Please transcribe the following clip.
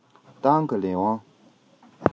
ཏང གི ལས དབང